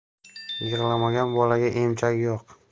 yig'lamagan bolaga emchak yo'q